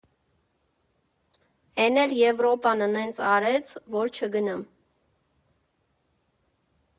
Էն էլ Եվրոպան նենց արեց, որ չգնամ։